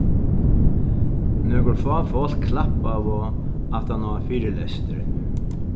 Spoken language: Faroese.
nøkur fá fólk klappaðu aftan á fyrilesturin